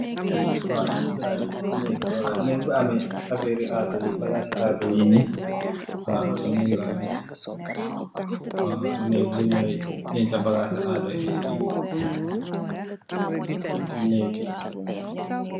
Waw neek la giss neek neek bu ameh aferre adaa yee bagasse adaa yee nee waw neek la giss waw neek bunu dencha bagasse adaa yee nee waw neek.